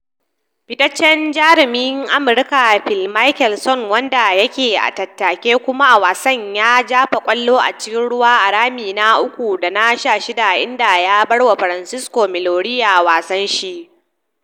Fitaccen jarumi Amurka Phil Mickelson, wanda ya ke attaka komai a wasan, ya jefa kwallo a cikin ruwa a rami na 3 da na 16, inda ya barwa Francesco Molinari wasan shi.